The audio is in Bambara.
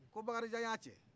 ko bakarijan y'a cɛ